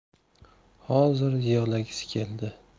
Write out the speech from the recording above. hozir yig'lagisi keldi